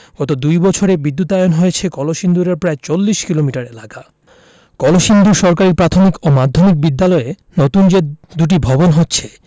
গত দুই বছরে বিদ্যুতায়ন হয়েছে কলসিন্দুরের প্রায় ৪০ কিলোমিটার এলাকা কলসিন্দুর সরকারি প্রাথমিক ও মাধ্যমিক বিদ্যালয়ে নতুন যে দুটি ভবন হচ্ছে